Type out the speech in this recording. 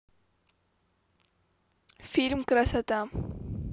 фильм красота